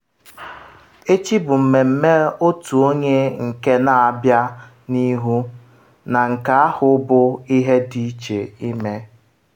Echi bụ mmemme otu onye nke na-abịa n’ihu, na nke ahụ bụ ihe dị iche ime.